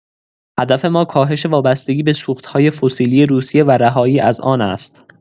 هدف ما کاهش وابستگی به سوخت‌های فسیلی روسیه و رهایی از آن است.